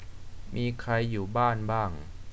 มีใครอยู่บ้านบ้าง